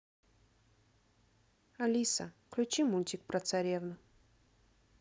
алиса включи мультик про царевну